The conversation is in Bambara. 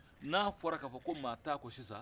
n'a fɔra ka fɔ ko maa t'a kɔ sisan